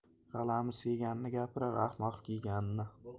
g'alamis yeganini gapirar ahmoq kiyganini